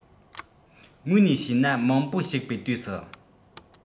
དངོས ནས བྱས ན མང པོ ཞིག པའི དུས སུ